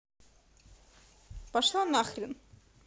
пошла нахрен